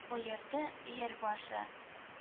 Боерды өер башы